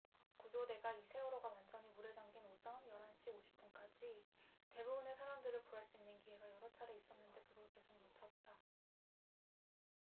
구조대가 이 세월호가 완전히 물에 잠긴 오전 열 한 시 오십 분까지 대부분의 사람들을 구할 수 있는 기회가 여러 차례 있었는데 그걸 계속 놓쳤다